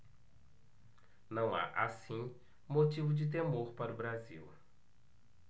não há assim motivo de temor para o brasil